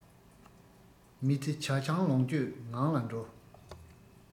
མི ཚེ ཇ ཆང ལོངས སྤྱོད ངང ལ འགྲོ